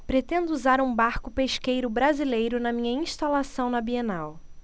pretendo usar um barco pesqueiro brasileiro na minha instalação na bienal